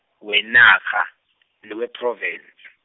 wenarha, newePhrovinsi.